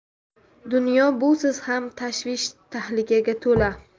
dunyo busiz ham tashvish tahlikaga to'la